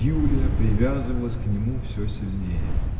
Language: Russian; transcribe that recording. Юлия привязывалась к нему все сильнее.